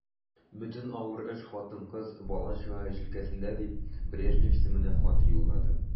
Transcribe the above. Бөтен авыр эш хатын-кыз, бала-чага җилкәсендә дип, Брежнев исеменә хат юлладым.